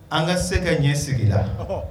An ka se ka ɲɛ sigira